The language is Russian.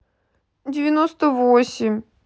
девяносто восемь